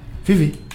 Fifi